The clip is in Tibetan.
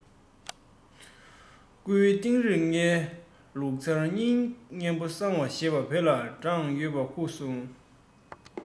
པཎྡི ཏ བློ སེམས འཚོ དང ལོ ཙ བ ལི ཐེ སི གཉིས ཀྱིས དྲངས ཡོང བའོ